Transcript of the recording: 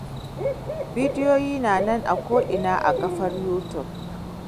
Bidiyoyin na nan a ko'ina a kafar 'YouTube'.